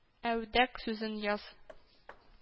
"әүдек"сүзен яз